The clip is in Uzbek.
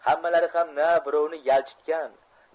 hammalari ham na birovni yolchitgan